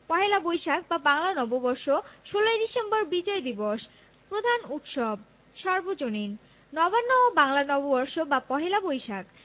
পহেলা বৈশাখ বা বাংলা নববর্ষ ১৬ই ডিসেম্বর বিজয় দিবস প্রধান উৎসবঃ সর্বজনীন নবান্ন ও বাংলা নববর্ষ বা পহেলা বৈশাখ